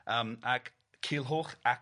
Yym ac Culhwch ac